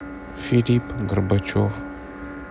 филипп горбачев